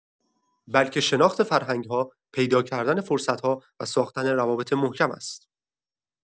بلکه شناخت فرهنگ‌ها، پیدا کردن فرصت‌ها و ساختن روابط محکم است.